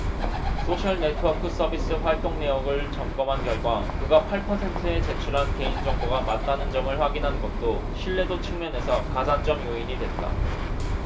소셜네트워크서비스 활동내역을 점검한 결과 그가 팔 퍼센트에 제출한 개인정보가 맞다는 점을 확인한 것도 신뢰도 측면에서 가산점 요인이 됐다